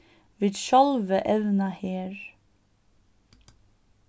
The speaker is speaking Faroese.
vit sjálvi evna her